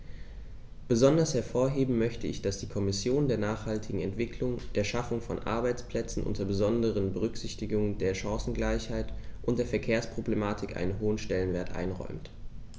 Besonders hervorheben möchte ich, dass die Kommission der nachhaltigen Entwicklung, der Schaffung von Arbeitsplätzen unter besonderer Berücksichtigung der Chancengleichheit und der Verkehrsproblematik einen hohen Stellenwert einräumt.